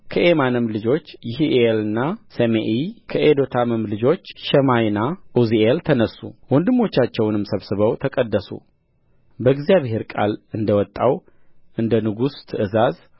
ከኤማንም ልጆች ይሒኤልና ሰሜኢ ከኤዶታምም ልጆች ሸማያና ዑዝኤል ተነሡ ወንድሞቻቸውንም ሰብስበው ተቀደሱ በእግዚአብሔር ቃል እንደመጣው እንደ ንጉሡ ትእዛዝ